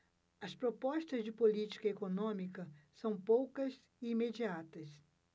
as propostas de política econômica são poucas e imediatas